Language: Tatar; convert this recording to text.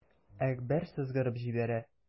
Әкбәр сызгырып җибәрә.